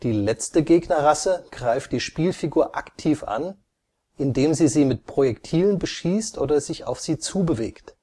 letzte Gegnerrasse greift die Spielfigur aktiv an, indem sie sie mit Projektilen beschießt oder sich auf sie zubewegt